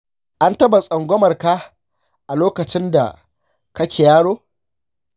an taɓa tsangwamar ka a lokacin da kake yaro?